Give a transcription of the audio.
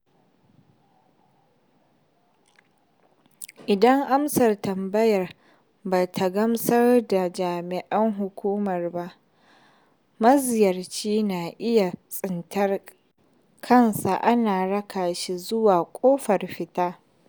Idan amsar tambayar ba ta gamsar da jami'in hukumar ba, maziyarci na iya tsintar kansa ana raka shi zuwa ƙofar fita.